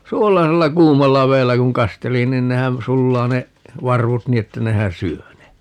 suolaisella kuumalla vedellä kun kasteli niin nehän sulaa ne varvut niin että nehän syö ne